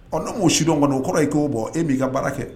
Ɔ n'o sidɔn kɔnɔ o kɔrɔ i'o bɔ e m'i ka baara kɛ